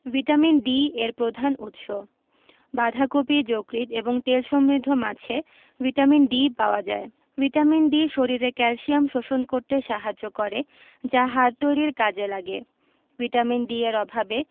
vitamin D এর প্রধান উৎস বাঁধাকপি যকৃৎ এবং তেল সমৃদ্ধ মাছে ভিটামিন D পাওয়া যায় ভিটামিন D শরীরে ক্যালসিয়াম শোষণ করতে সাহায্য করে যা হাড় তৈরীর কাজে লাগে ভিটামিন D এর অভাবে